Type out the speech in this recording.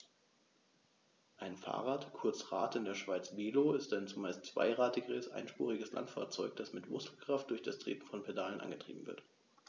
Ein Fahrrad, kurz Rad, in der Schweiz Velo, ist ein zumeist zweirädriges einspuriges Landfahrzeug, das mit Muskelkraft durch das Treten von Pedalen angetrieben wird.